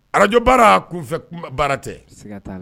Radio baara kunfɛ baara tɛ, sikat'a la.